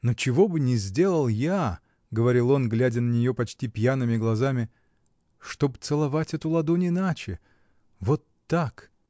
Но чего бы не сделал я, — говорил он, глядя на нее почти пьяными глазами, — чтоб целовать эту ладонь иначе. вот так.